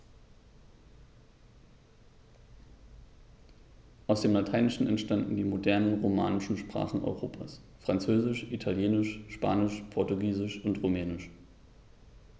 Aus dem Lateinischen entstanden die modernen „romanischen“ Sprachen Europas: Französisch, Italienisch, Spanisch, Portugiesisch und Rumänisch.